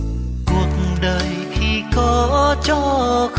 cuộc đời khi có cho